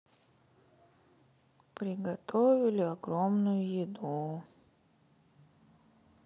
приготовили огромную еду